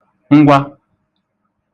ngwa